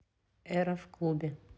эра в клубе